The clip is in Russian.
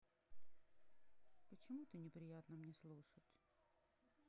почему ты неприятно мне слушать